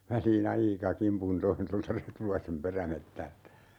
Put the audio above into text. väliin aika kimpun toin tuolta Retulaisen perämetsältä